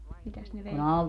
mitäs ne veivät